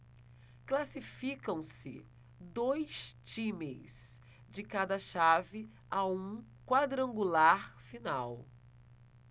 classificam-se dois times de cada chave a um quadrangular final